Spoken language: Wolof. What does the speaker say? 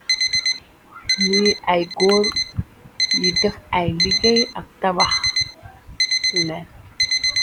ni ay góor yi deff ay liggéey ak tabaxleen.